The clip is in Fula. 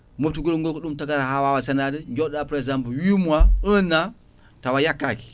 moftugol ko ɗum tagata ha wawa seenade joɗoɗa prexempe 8 mois 1 ans tawa yakkaki